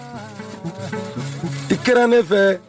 I kɛra ne fɛ